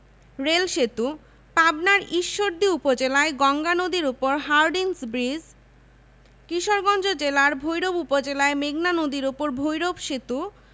প্রধান ফলঃ আম কাঁঠাল জাম আনারস কলা লিচু লেবু পেয়ারা পেঁপে তেঁতুল তরমুজ জামরুল বরই বা কুল